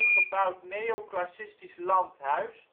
gebouwd neoclassicistisch landhuis